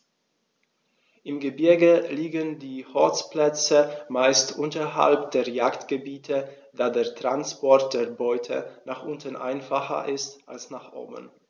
Im Gebirge liegen die Horstplätze meist unterhalb der Jagdgebiete, da der Transport der Beute nach unten einfacher ist als nach oben.